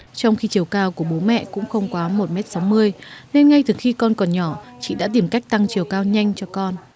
trong khi chiều cao của bố mẹ cũng không quá một mét sáu mươi nên ngay từ khi con còn nhỏ chị đã tìm cách tăng chiều cao nhanh cho con